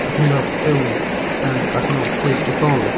Wnathon ni weld ffilm, yym, bach yn ôl, 'First Reformed'.